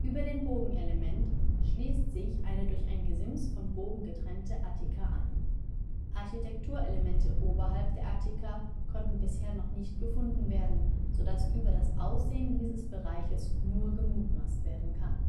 Über dem Bogenelement schließt sich eine durch ein Gesims vom Bogen getrennte Attika an. Architekturelemente oberhalb der Attika konnten bislang noch nicht gefunden werden, sodass über das Aussehen dieses Bereiches nur gemutmaßt werden kann